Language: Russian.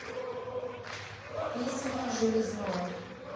песенки железновой